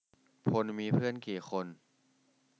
พลมีเพื่อนกี่คน